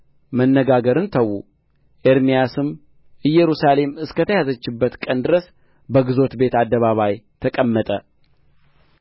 መነጋገርን ተው ኢየሩሳሌም እስከ ተያዘችበት ቀን ድረስ በግዞት ቤት አደባባይ ተቀመጠ